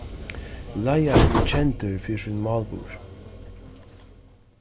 leiðarin er kendur fyri sín málburð